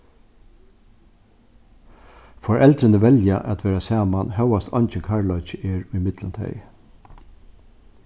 foreldrini velja at vera saman hóast eingin kærleiki er ímillum tey